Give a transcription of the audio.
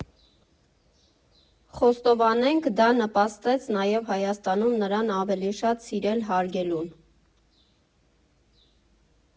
Խոստովանենք՝ դա նպաստեց նաև Հայաստանում նրան ավելի շատ սիրել֊հարգելուն։